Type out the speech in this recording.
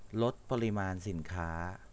ลดปริมาณสินค้า